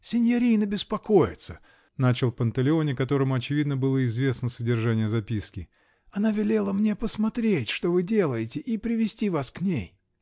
-- Синьорина беспокоится, -- начал Панталеоне, которому, очевидно, было известно содержание записки, -- она велела мне посмотреть, что вы делаете, и привести вас к ней.